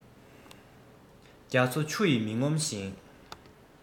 རྒྱ མཚོ ཆུ ཡིས མི ངོམས ཤིང